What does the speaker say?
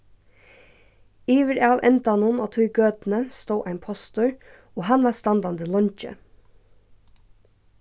yvir av endanum á tí gøtuni stóð ein postur og hann varð standandi leingi